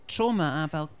trauma a fel...